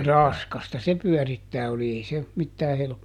raskasta se pyörittää oli ei se mitään -